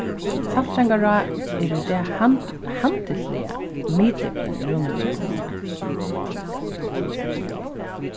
saltangará er í dag handilsligi miðdepilin í runavíkar kommunu